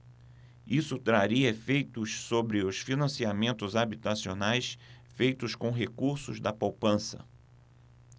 isso traria efeitos sobre os financiamentos habitacionais feitos com recursos da poupança